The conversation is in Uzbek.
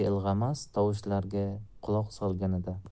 ilg'amas tovushlarga quloq osganida